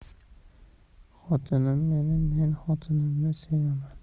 xotinim meni men xotinimni sevaman